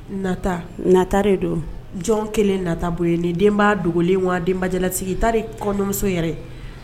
Nata nata de don jɔn kelen nata bon ye ni den' dogolen wa denbajalasigita de kɔmuso yɛrɛ